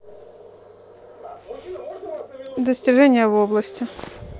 достижения в области